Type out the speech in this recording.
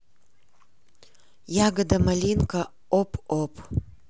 ягода малинка оп оп